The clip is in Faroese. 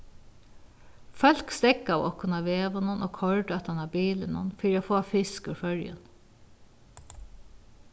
fólk steðgaðu okkum á vegunum og koyrdu aftan á bilinum fyri at fáa fisk úr føroyum